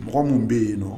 Mɔgɔ minnu bɛ yen nɔ